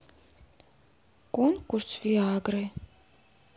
конкурс виагры